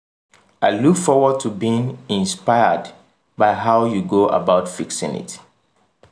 I look forward to being inspired by how you go about fixing it.